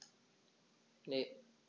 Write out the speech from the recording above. Ne.